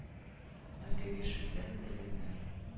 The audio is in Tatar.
Әнкәйгә шелтә белдергәннәр..